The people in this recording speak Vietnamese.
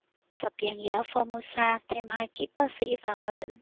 sập giàn giáo formosa thêm hai kíp bác sĩ vào hà tĩnh